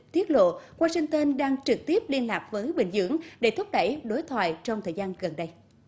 tiết lộ goa sinh tơn đang trực tiếp liên lạc với bình nhưỡng để thúc đẩy đối thoại trong thời gian gần đây